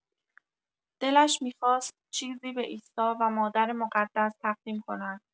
دلش می‌خواست چیزی به عیسی و مادر مقدس تقدیم کند.